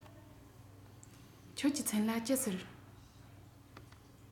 ཁྱེད ཀྱི མཚན ལ ཅི ཟེར